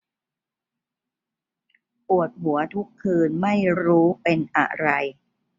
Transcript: ปวดหัวทุกคืนไม่รู้เป็นอะไร